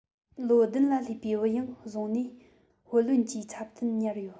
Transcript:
ལོ བདུན ལ སླེབས པའི བུ ཡང བཟུང ནས བུ ལོན གྱི ཚབ ཏུ ཉར ཡོད